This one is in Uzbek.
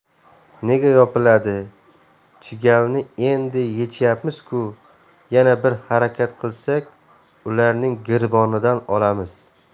nega yopiladi chigalni endi yechyapmiz ku yana bir harakat qilsak ularning giribonidan olamiz